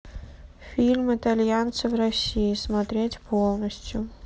фильм итальянцы в россии смотреть полностью